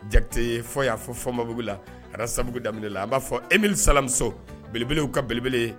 Jakitɛ ye fɔ yan fɔ fɔnbabugu la, Arasabugu ldaminɛ la, an b'a fɔ Emil salam Sɛw belebelew ka belebele.